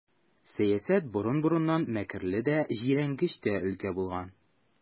Сәясәт борын-борыннан мәкерле дә, җирәнгеч тә өлкә булган.